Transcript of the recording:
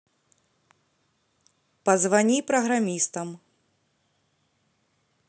позвони программистам